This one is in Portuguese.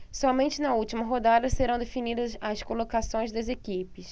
somente na última rodada serão definidas as colocações das equipes